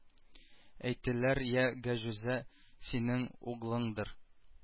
Әйттеләр йә гаҗүзә синең углыңдыр